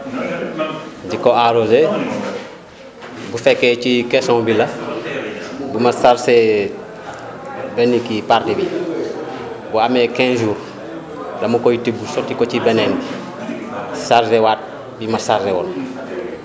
di ko arrosé bu fekkee ci tesson bi la bu mar chargé benn kii partie bi bu amee 15 jours dama kot tibb sotti ko ci beneen bi chargé waat bi ma chargé woon